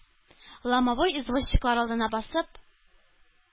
Ломовой извозчиклар алдына басып: